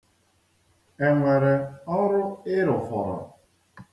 E nwere ọrụ ị rụfọrọ?